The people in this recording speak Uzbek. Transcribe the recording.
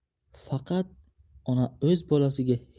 faqat ona o'z bolasiga